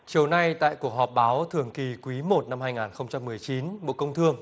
chiều nay tại cuộc họp báo thường kỳ quý một năm hai ngàn không trăm mười chín bộ công thương